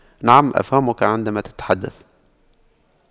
نعم أفهمك عندما تتحدث